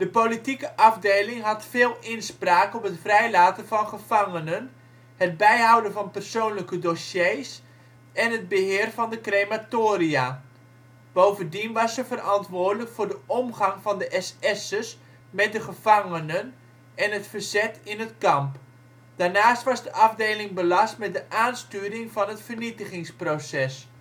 politieke afdeling had veel inspraak op het vrijlaten van gevangenen, het bijhouden van persoonlijke dossiers en het beheer van de crematoria. Bovendien was ze verantwoordelijk voor de omgang van de SS'ers met de gevangenen en het verzet in het kamp. Daarnaast was de afdeling belast met de aansturing van het vernietigingsproces